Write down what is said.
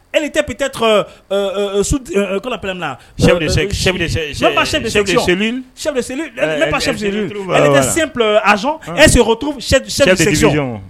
E tɛ pte tɔgɔ min na sɛ sɛ ale ka sen a e sɛ